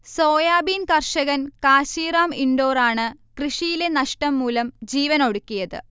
soybean കർഷകൻ കാശീറാം ഇൻഡോറാണ് കൃഷിയിലെ നഷ്ടം മൂലം ജീവനൊടുക്കിയത്